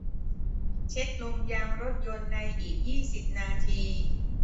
เช็คลมยางรถยนต์ในอีกยี่สิบนาที